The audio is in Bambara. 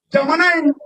Ja